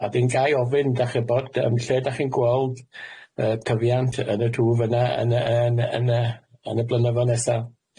A wedyn ga'i ofyn dach chi'n gwbod yym lle dach chi'n gweld yy tyfiant yn y twf yna yn y yn y yn y blynyddodd nesa?